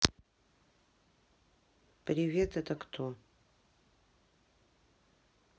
привет это кто